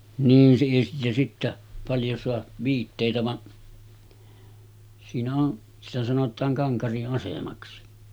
niin - ja sitten paljon saa viitteitä vaan siinä on sitä sanotaan Kankarin asemaksi